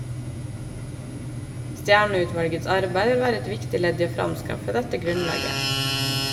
Stjernø-utvalgets arbeid vil være et viktig ledd i å framskaffe dette grunnlaget.